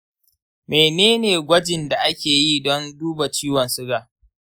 mene ne gwajin da ake yi don duba ciwon suga?